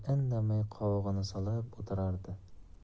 qovog'ini solib o'tirardi